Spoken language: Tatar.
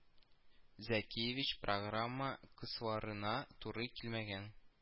Зәкиевич, программа кысаларына туры килмәгән